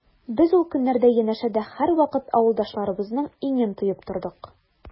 Без ул көннәрдә янәшәдә һәрвакыт авылдашларыбызның иңен тоеп тордык.